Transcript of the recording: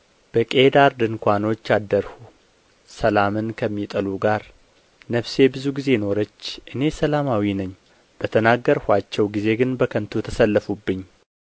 በቄዳር ድንኳኖች አደርሁ ሰላምን ከሚጠሉ ጋር ነፍሴ ብዙ ጊዜ ኖረች እኔ ሰላማዊ ነኝ በተናገኋቸው ጊዜ ግን በከንቱ ተሰለፉብኝ